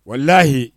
wallahi